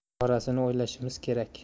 chorasini o'ylashimiz kerak